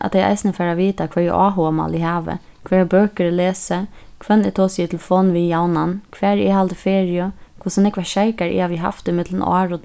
at tey eisini fara at vita hvørji áhugamál eg havi hvørjar bøkur eg lesi hvønn eg tosi í telefon við javnan hvar eg haldi feriu hvussu nógvar sjeikar eg havi havt ímillum ár og